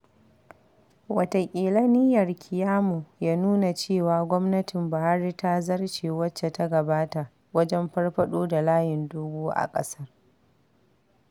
Wataƙila niyyar Keyamo ya nuna cewa gwamnatin Buhari ta zarce wacce ta gabata wajen farfaɗo da layin dogo a ƙasar.